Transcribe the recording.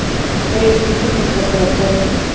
корейские фильмы про карате